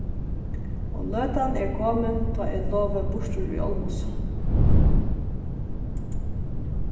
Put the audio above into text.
og løtan er komin tá eg lovi burtur í olmussu